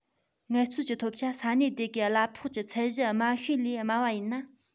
ངལ རྩོལ གྱི ཐོབ ཆ ས གནས དེ གའི གླ ཕོགས ཀྱི ཚད གཞི དམའ ཤོས ལས དམའ བ ཡིན ན